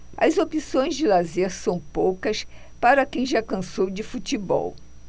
as opções de lazer são poucas para quem já cansou de futebol